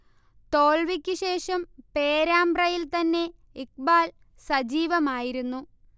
തോൽവിക്ക് ശേഷം പേരാമ്പ്രയിൽ തന്നെ ഇഖ്ബാൽ സജീവമായിരുന്നു